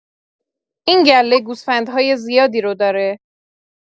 این گله گوسفندهای زیادی رو داره